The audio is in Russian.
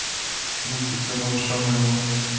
мультики для малыша моего